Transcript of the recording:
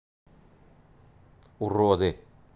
уроды